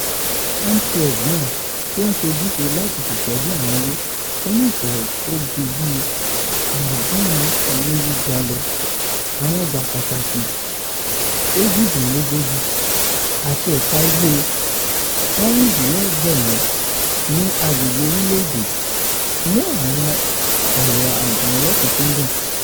NTS náà, tí ó ń ṣe ojúṣe láti ṣètọ́jú àwọn ilé tó ní ìtàn tó ju bí 270 lọ, àwọn ọgbà pàtàkì 38, àti eékà ilẹ̀ 76,000 ní agbègbè orílẹ̀ èdè, mú àwọn ọ̀rọ̀ àdán lọ́kúnkúndùn.